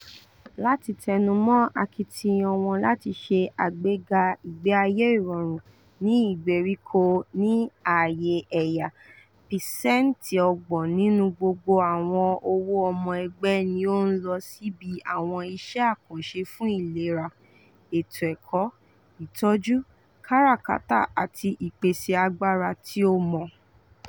Láti tẹnumọ́ akitiyan wọn láti ṣe àgbéga ìgbé ayé ìrọ̀rùn ní ìgbèríko ní ààyè "ẹ̀yà", 30% nínú gbogbo àwọn owó ọmọ ẹgbẹ́ ni ó ń lọ síbi àwọn iṣẹ́ àkànṣe fún ìlera, ètò ẹ̀kọ́, ìtọ́jú, káràkátà àti ìpèsè agbára tí ó mọ́.